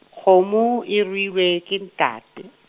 kgomo, e ruilwe, ke ntate.